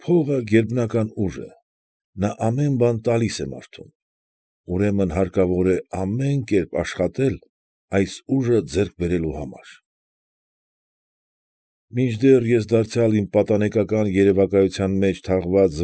Փողը գերբնական ուժ է, նա ամեն բան տալիս է մարդուն, ուրեմն հարկավոր է ամեն կերպ աշխատել այս ուժը ձեռք բերելու համար»… Մինչդեռ ես դարձյալ իմ պատանեկական երևակայության մեջ թաղված։